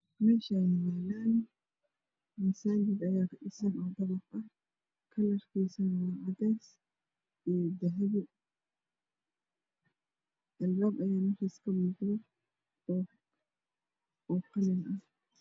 Meshani waa meel masaajid ayaa kadhisan oo dabaq ah kalarkiisu waa cadees iyo dahabi albab ayaa meshas ka muuqda oo qalin ah